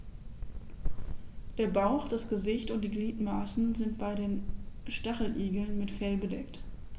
Der Bauch, das Gesicht und die Gliedmaßen sind bei den Stacheligeln mit Fell bedeckt.